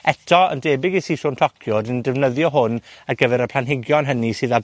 Eto, yn debyg i siswrn tocio, 'dyn ni'n defnyddio hwn ar gyfer y planhigion hynny sydd ar